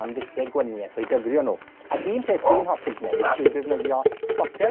am ddullie gwanieth, o'u dyfrio nw, ag un peth fi'n hoffi gwneud yw defnyddio botel